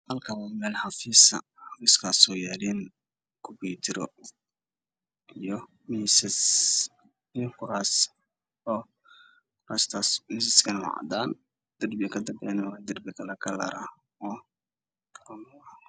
Halkaan waa meel xafiis ah yaaliin kuraas iyo miisas cadaan ah